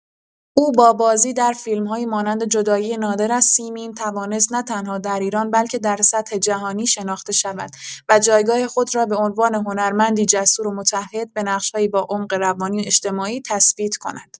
او با بازی در فیلم‌هایی مانند جدایی نادر از سیمین توانست نه‌تنها در ایران بلکه در سطح جهانی شناخته شود و جایگاه خود را به عنوان هنرمندی جسور و متعهد به نقش‌هایی با عمق روانی و اجتماعی تثبیت کند.